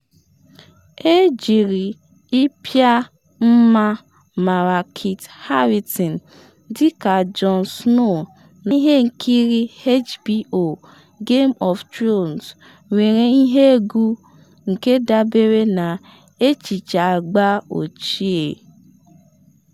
Ejiri ịpịa mma mara Kit Harrington dịka Jon Snow na ihe nkiri HBO Game of Thrones nwere ihe egwu nke dabere na echiche agba ochie.